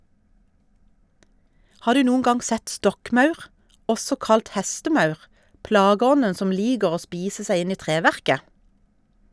Har du noen gang sett stokkmaur, også kalt hestemaur, plageånden som liker å spise seg inn i treverket?